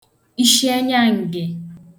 ishi enyaǹgè